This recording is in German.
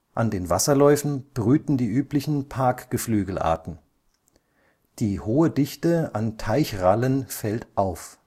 An den Wasserläufen brüten die üblichen Parkgeflügelarten. Die hohe Dichte an Teichrallen fällt auf